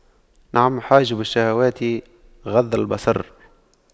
نعم حاجب الشهوات غض البصر